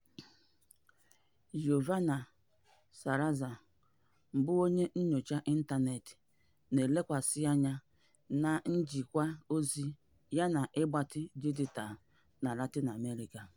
Giovanna Salazar bụ onye nnyocha ịntanetị na-elekwasị anya na njikwa ozi yana ịgbatị dijitalụ na Latin Amerịka.